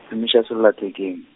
šomiša sellathekeng.